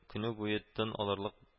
Көне буе тын алырлык